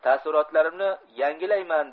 taassurotlarimni yangilayman